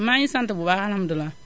maa ngi sant bu baax alxamdulilaa